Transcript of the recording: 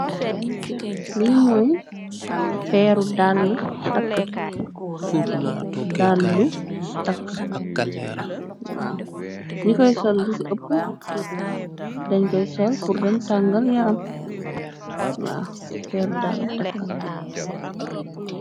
Lii mooy pééru dallë takkë. Ñu kooy takkë ñu si ëppu, da ñuy taagat yaram.